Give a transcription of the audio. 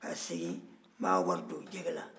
ka segin n b'a wari don jɛgɛ la